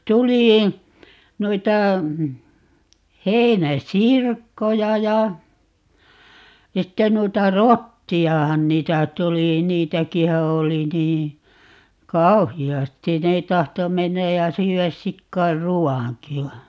tuli muita heinäsirkkoja ja sitten noita rottiahan niitä tuli niitäkinhän oli niin kauheasti ne tahtoi mennä ja syödä sikojen ruoankin vaan